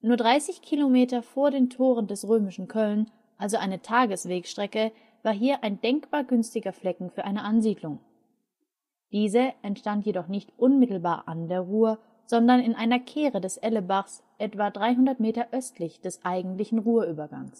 30 Kilometer vor den Toren des römischen Köln, also eine Tageswegstrecke, war hier ein denkbar günstiger Flecken für eine Ansiedlung. Diese entstand jedoch nicht unmittelbar an der Rur, sondern in einer Kehre des Ellebachs, etwa 300 Meter östlich des eigentlichen